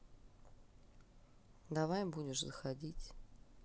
давай будешь заходить